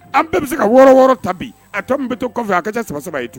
An bɛɛ bɛ se ka wɔɔrɔ wɔɔrɔ ta bi a to bɛ to kɔfɛ a ka cɛ saba ye tugun